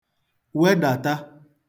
wedàta